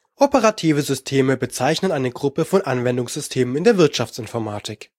Operative Systeme bezeichnet eine Gruppe von Anwendungssystemen in der Wirtschaftsinformatik